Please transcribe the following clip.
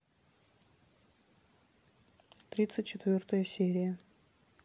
тридцать четвертая серия